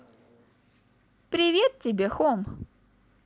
привет тебе home